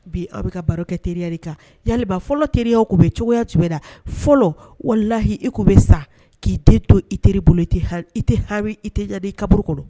Bi aw bɛ ka baro kɛ teriya de kan yalima fɔlɔ teriya tun bɛ cogoya jumɛn na , fɔlɔ walahi, i tun bɛ sa k'i den to i teri bolo, i tɛ ha i tɛ hami i tɛ ɲani i kaburu kɔnɔ.